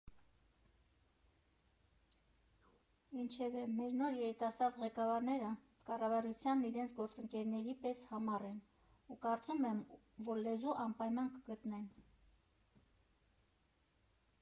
Ինչևէ, մեր նոր երիտասարդ ղեկավարները կառավարության իրենց գործընկերների պես համառ են ու կարծում եմ, որ լեզու անպայման կգտնեն։